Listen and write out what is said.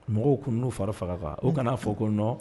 Mɔgɔw kun n'u fari faga ـ ـquoi ـ ـ u kan'a fɔ ko ـ ـnonـ ـ